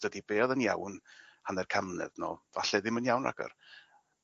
dydi be' o'dd yn iawn hanner can mlynedd nôl falle ddim yn iawn ragor.